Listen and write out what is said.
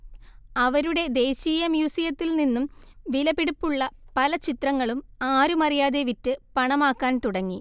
അവരുടെ ദേശീയമ്യൂസിയത്തിൽ നിന്നും വിലപിടിപ്പുള്ള പല ചിത്രങ്ങളും ആരുമറിയാതെ വിറ്റ് പണമാക്കാൻ തുടങ്ങി